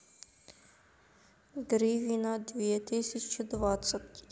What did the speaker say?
гривина две тысячи двадцать